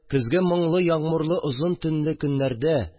Көзге моңлы-ягъмурлы озын төнле көннәрдә